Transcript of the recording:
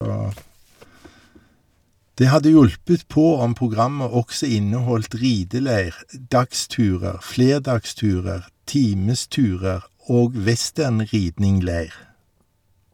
Det hadde hjulpet på om programmet også inneholdt rideleir, dagsturer, flerdagsturer, timesturer og westernridning-leir.